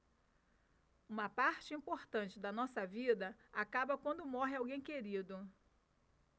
uma parte importante da nossa vida acaba quando morre alguém querido